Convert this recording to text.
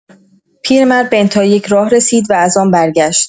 پیرمرد به انت‌های یک راه رسید و از آن برگشت.